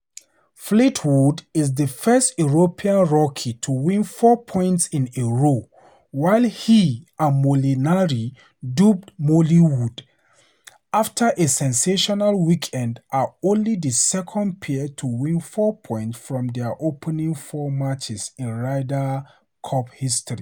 Fleetwood is the first European rookie to win four points in a row while he and Molinari, dubbed "Molliwood" after a sensational weekend are only the second pair to win four points from their opening four matches in Ryder Cup history.